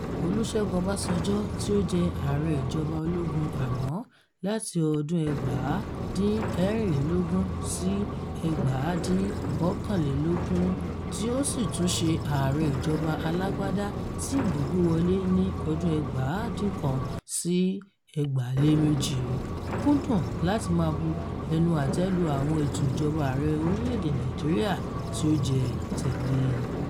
Olúṣẹ́gun Ọbásanjọ́, tí ó jẹ́ Ààrẹ ìjọba ológun àná (láti ọdún 1976 sí 1979), tí ó sì tún ṣe Ààrẹ ìjọba alágbádá tí ìbò gbé wọlé (ní ọdún 1999 sí 2007), kúndùn láti máa bu ẹnu àtẹ́ lu àwọn ètò ìjọba Ààrẹ orílẹ̀-èdè Nàìjíríà tí ó jẹ tẹ̀lé e.